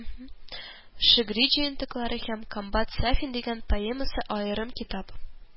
Шигъри җыентыклары һәм «комбат сафин» дигән поэмасы аерым китап